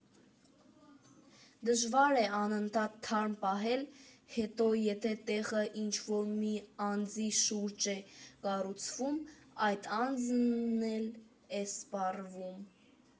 Դժվար է անընդհատ թարմ պահել, հետո եթե տեղը ինչ֊որ մի անձի շուրջ է կառուցվում, այդ անձն էլ է սպառվում։